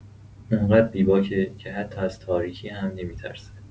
اون قدر بی‌باکه که حتی از تاریکی هم نمی‌ترسه.